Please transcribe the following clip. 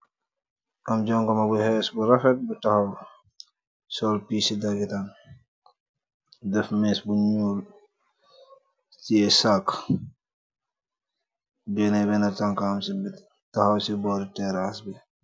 Am jongoma bu xees bu rafet bu taxaw sol piis ci dagitam def més bu ñuul ci tegeh sak genneh benna tanka'am ci bitih taxaw ci bóri teras bi.